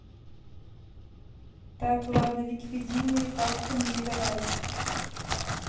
так ладно википедийные факты мне давай